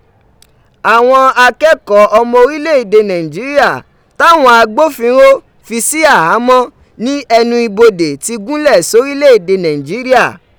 Awọn akẹkọọ ọmọ orilẹ ede Naijiria tawọn agbofinro fi si ahamọ ni ẹnu ibode ti gunlẹ sorilẹ ede Naijiria.